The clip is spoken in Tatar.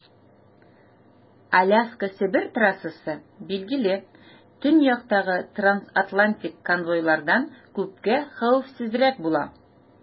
Аляска - Себер трассасы, билгеле, төньяктагы трансатлантик конвойлардан күпкә хәвефсезрәк була.